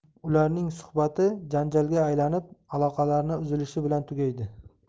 ularning suhbati janjalga aylanib aloqalarni uzilishi bilan tugaydi